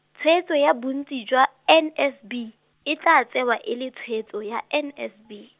tshwetso ya bontsi jwa N S B, e tla tsewa e le tshwetso ya N S B.